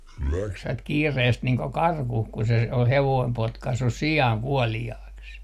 juoksivat kiireesti niin kuin karkuun kun se oli hevonen potkaissut sian kuoliaaksi